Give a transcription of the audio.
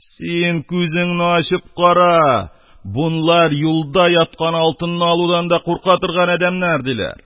— син күзеңне ачып кара: бунлар юлда яткан алтынны алудан да курка торган адәмнәр... — диләр.